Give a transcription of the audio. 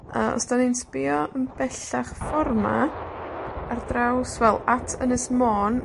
A os 'dan ni'n sbïo yn bellach ffor 'ma, ar draws, wel at Ynys Môn,